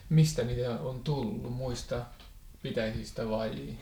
mistä niitä on tullut muista pitäjistä vai